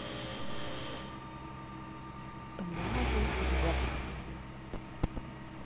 пляжи греции